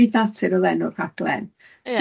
Byd Natur o'dd enw'r rhaglen.